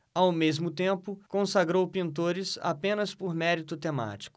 ao mesmo tempo consagrou pintores apenas por mérito temático